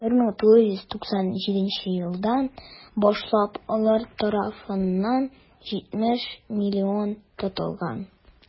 1997 елдан башлап алар тарафыннан 70 млн тотылган.